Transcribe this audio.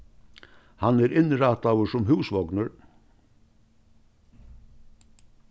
hann er innrættaður sum húsvognur